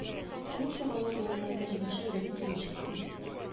Шулчак алар янына тәрҗемәче йөгереп килеп җитте.